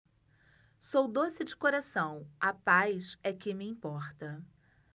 sou doce de coração a paz é que me importa